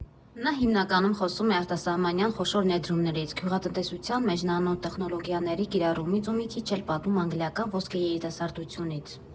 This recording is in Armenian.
Նա հիմնականում խոսում է արտասահմանյան խոշոր ներդրումներից, գյուղատնտեսության մեջ նանոտեխնոլոգիաների կիրառումից ու մի քիչ էլ պատմում անգլիական ոսկե երիտասարդությունից։